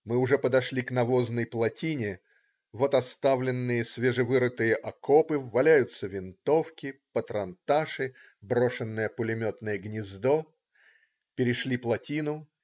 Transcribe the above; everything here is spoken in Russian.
Мы уже подошли к навозной плотине, вот оставленные, свежевырытые окопы, валяются винтовки, патронташи, брошенное пулеметное гнездо. Перешли плотину.